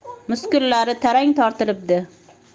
muskullari tarang tortilibdi